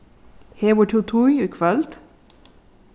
hevur tú tíð í kvøld